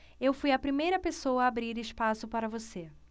eu fui a primeira pessoa a abrir espaço para você